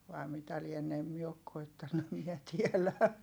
vai mitä lienee en minä ole koettanut en minä tiedä